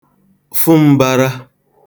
fụ m̄bārā